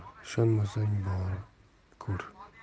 go'r ishonmasang borib ko'r